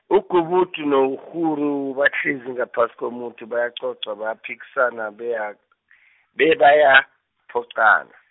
ugubudu nekghuru, bahlezi ngaphasi komuthi bayacoca bayaphikisana, beyak- , bebayaphoqana.